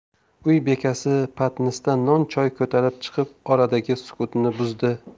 uy bekasi patnisda non choy ko'tarib chiqib oradagi sukutni buzdi